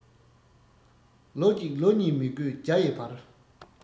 ལོ གཅིག ལོ གཉིས མི དགོས བརྒྱ ཡི བར